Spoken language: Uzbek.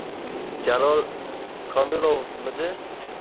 jalol komilovmidi